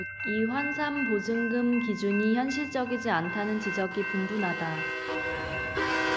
이 환산보증금 기준이 현실적이지 않다는 지적이 분분하다